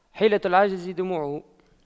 حيلة العاجز دموعه